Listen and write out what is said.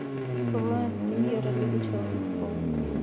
квн премьер лига человек паук